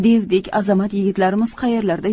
devdek azamat yigitlarimiz qayerlarda